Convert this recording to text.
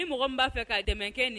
Ni mɔgɔ b' fɛ ka dɛmɛ kɛ nin